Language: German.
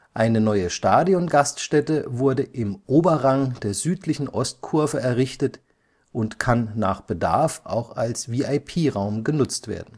Eine neue Stadiongaststätte wurde im Oberrang der südlichen Ostkurve errichtet und kann nach Bedarf auch als VIP-Raum genutzt werden